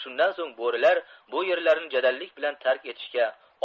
shundan so'ng bo'rilar bu yerlarni jadallik bilan tark etishga